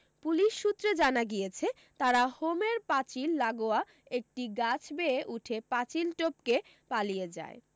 police সূত্রে জানা গিয়েছে তারা হোমের পাঁচিল লাগোয়া একটি গাছ বেয়ে উঠে পাঁচিল টপকে পালিয়ে যায়